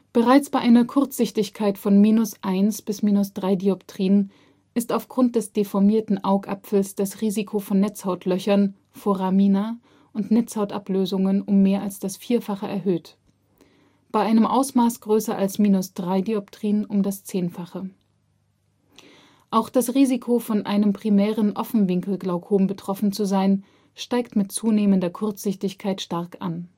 Bereits bei einer Kurzsichtigkeit von −1,00 bis −3,00 dpt ist aufgrund des deformierten Augapfels das Risiko von Netzhautlöchern (Foramina) und Netzhautablösungen um mehr als das Vierfache erhöht, bei einem Ausmaß größer als −3,00 dpt um das Zehnfache. Auch das Risiko, von einem primären Offenwinkelglaukom betroffen zu sein, steigt mit zunehmender Kurzsichtigkeit stark an